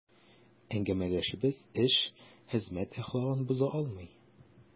Әңгәмәдәшебез эш, хезмәт әхлагын боза алмый.